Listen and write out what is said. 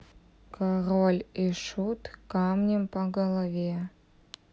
король и шут камнем по голове